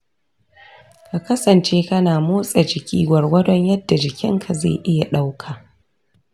ka kasance kana motsa jiki gwargwadon yadda jikinka zai iya ɗauka.